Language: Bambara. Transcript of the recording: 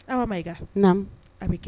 Awa Mayiga, naamu, a bɛ k